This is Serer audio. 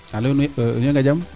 alo nu yunga jam